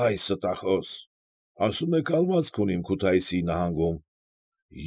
Ա՛յ ստախոս։ Ասում է կավածք ունիմ Քութայիսի նահանգում։